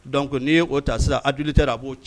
Dɔnku ko n'i ye o ta sira a joli taara a b'o